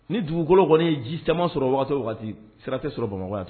Ni dugukolo kɔni ji camanman sɔrɔ waa waati sira tɛ sɔrɔ bamakɔ